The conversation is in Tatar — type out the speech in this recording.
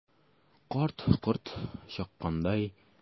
Карт, корт чаккандай, чак кына урындыгыннан егылып төшмәде.